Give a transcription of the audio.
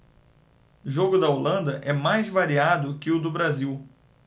jogo da holanda é mais variado que o do brasil